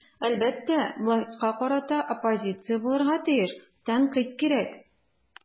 Әлбәттә, властька карата оппозиция булырга тиеш, тәнкыйть кирәк.